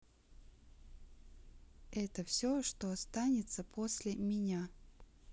это все что останется после меня